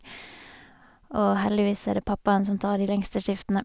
Og heldigvis så er det pappaen som tar de lengste skiftene.